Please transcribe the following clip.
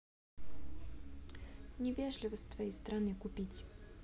невежливо с твоей страны купить